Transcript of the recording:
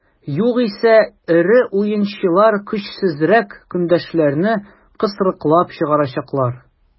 Югыйсә эре уенчылар көчсезрәк көндәшләрне кысрыклап чыгарачаклар.